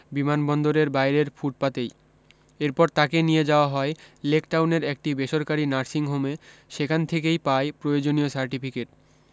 বিমানবন্দরের বাইরের ফুটপাতেই এরপর তাকে নিয়ে যাওয়া হয় লেকটাউনের একটি বেসরকারি নার্সিংহোমে সেখান থেকেই পায় প্রয়োজনীয় সার্টিফিকেট